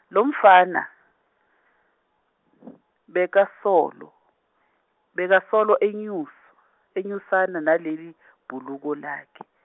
lomfana , bekasolo bekasolo enyus- enyusana na nelibhuluko lakhe.